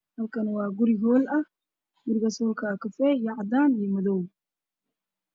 Waa qol jika ah waxa uu leeyahay meel wax lagu kafsado albaabka waa qaxooy